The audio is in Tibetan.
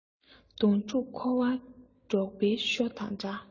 གདོང དྲུག འཁོར བ འབྲོག པའི ཤོ དང འདྲ